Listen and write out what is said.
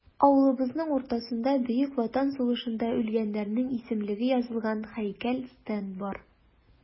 Авылыбызның уртасында Бөек Ватан сугышында үлгәннәрнең исемлеге язылган һәйкәл-стенд бар.